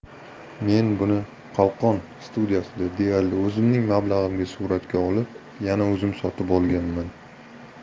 men buni 'qalqon' studiyasida deyarli o'zimning mablag'imga suratga olib o'zim yana sotib olganman